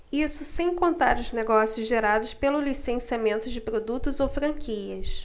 isso sem contar os negócios gerados pelo licenciamento de produtos ou franquias